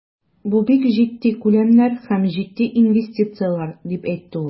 Бу бик җитди күләмнәр һәм җитди инвестицияләр, дип әйтте ул.